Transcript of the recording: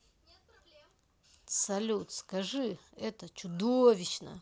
салют скажи это чудовищно